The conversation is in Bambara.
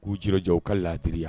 K'u jijɛw ka ladiriya